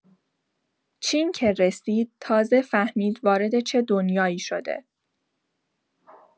چین که رسید، تازه فهمید وارد چه دنیایی شده.